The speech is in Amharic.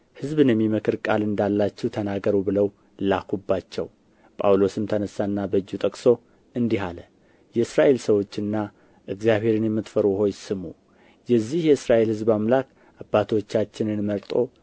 ሕዝብን የሚመክር ቃል እንዳላችሁ ተናገሩ ብለው ላኩባቸው ጳውሎስም ተነሣና በእጁ ጠቅሶ እንዲህ አለ የእስራኤል ሰዎችና እግዚአብሔርን የምትፈሩት ሆይ ስሙ የዚህ የእስራኤል ሕዝብ አምላክ አባቶቻችንን መርጦ